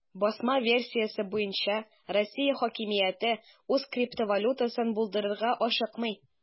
Басма версиясе буенча, Россия хакимияте үз криптовалютасын булдырырга ашыкмый.